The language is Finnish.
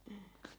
mm